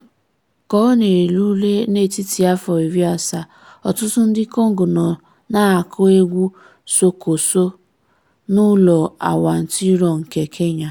Ka ọ na-erule n'etiti afọ iri asaa, ọtụtụ ndị Congo nọ na-akụ egwu soukous n'ụlọ awantịrọ nke Kenya.